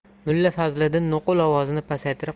mulla fazliddin nuqul ovozini pasaytirib